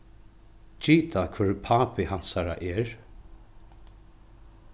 gita hvør pápi hansara er